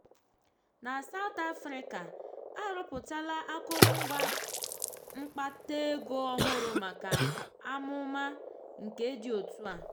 Na South Afrịka, arụpụtala akụrụngwa mkpataego ọhụrụ maka amụma nke dị otu a.